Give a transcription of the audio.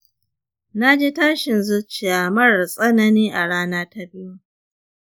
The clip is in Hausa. naji tashin zuciya marar tsanani a rana ta biyu.